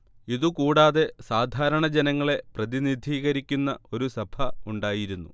ഇതു കൂടാതെ സാധാരണ ജനങ്ങളെ പ്രതിനിധീകരിക്കുന്ന ഒരു സഭ ഉണ്ടായിരുന്നു